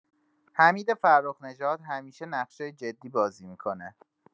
حمید فرخ‌نژاد همیشه نقشای جدی بازی می‌کنه.